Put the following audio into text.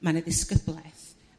ma' 'na ddisgyblaeth